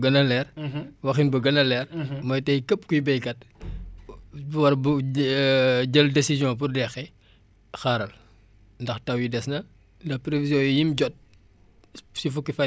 mooy tey képp kuy béykat bu war bu jë jël décision pour deqi xaaralndax taw yi des na ndax prévision yim jot si fukki fan yii nii ñu ngi xaarandi ay taw